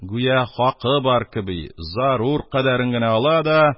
Үя хакы бар кеби, зарур кадәрен генә ала да